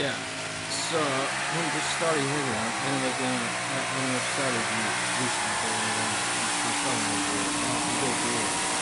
Ie, so hwn 'di'r stori heddiw rŵan, enw ydi enw yy enw'r stori 'di fi sy 'di dod i fyny efo'r enw, ond ma'r stori'n un gwir, wel dwi'n deud gwir.